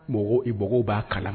Mɔgɔ i b b'a kala